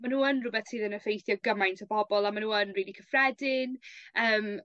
ma' n'w yn rwbeth sydd yn effeithio gymaint o bobol a my' n'w yn rili cyffredin. Yym.